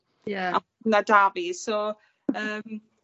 Ie. ...a ma' 'da fi so yym